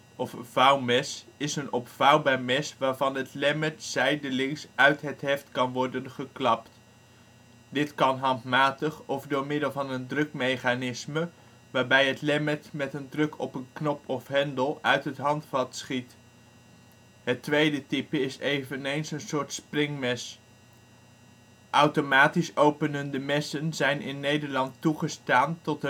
vouwmes is een opvouwbaar mes waarvan het lemmet zijdelings uit het heft kan worden geklapt. Dit kan handmatig of door middel van een drukmechanisme waarbij het lemmet met een druk op een knop of hendel uit het handvat schiet. Het tweede type is eveneens een soort springmes. Automatisch openende messen zijn in Nederland toegestaan tot